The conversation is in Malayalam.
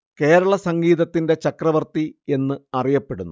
കേരള സംഗീതത്തിന്റെ ചക്രവർത്തി എന്ന് അറിയപ്പെടുന്നു